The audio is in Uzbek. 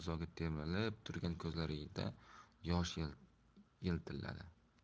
termilib turgan ko'zlarida yosh yiltilladi